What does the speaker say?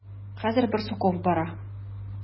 Хәзер Барсуков бара.